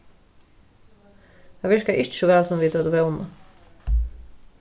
tað virkaði ikki so væl sum vit høvdu vónað